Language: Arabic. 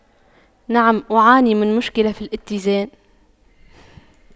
نعم أعاني من مشكلة في الاتزان